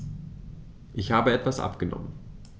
Ich habe etwas abgenommen.